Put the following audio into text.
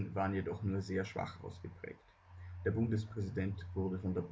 waren jedoch nur sehr schwach ausgeprägt. Der Bundespräsident wurde von der Bundesversammlung